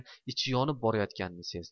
ichi yonib ketayotganini sezdi